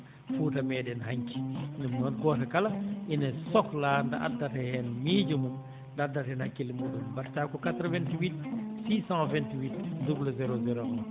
Fuuta meeɗen hanki ɗum noon gooto kala ene sohlaa nde addata heen miijo mum nde addata heen hakkille muɗum mbaɗataa ko 88 628 00 01